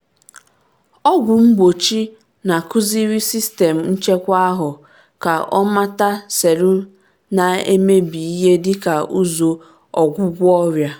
Ọgwụ mgbochi na-akuziri sistem nchekwa ahụ ka ọ mata selụ na-emebi ihe dịka ụzọ ọgwụgwọ ọrịa